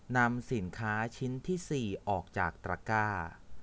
นำสินค้าชิ้นที่สี่ออกจากตะกร้า